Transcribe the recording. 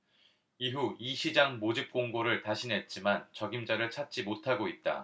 이후 이사장 모집 공고를 다시 냈지만 적임자를 찾지 못하고 있다